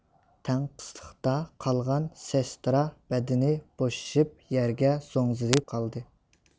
تەڭقىسلىقتا قالغان سېسترا بەدىنى بوشىشىپ يەرگە زوڭزىيىپ قالدى